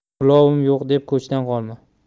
ulovim yo'q deb ko'chdan qolma